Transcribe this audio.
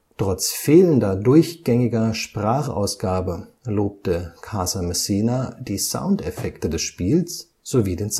Trotz fehlender durchgängiger Sprachausgabe lobte Casamassina die Soundeffekte des Spiels sowie den